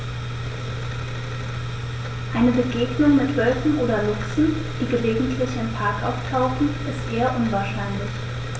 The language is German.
Eine Begegnung mit Wölfen oder Luchsen, die gelegentlich im Park auftauchen, ist eher unwahrscheinlich.